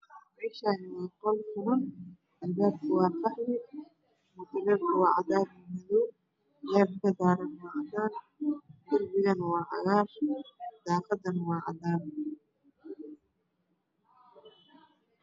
Meshan waa qol furan albabka waa qaxwi mutulelka waa cadan iyo madow lerka kadarn waa cadan darbika waa cagar daqadana waa cadan